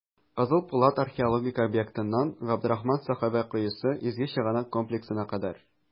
«кызыл пулат» археологик объектыннан "габдрахман сәхабә коесы" изге чыганак комплексына кадәр.